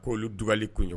Ko'olu dugli kunɲɔgɔn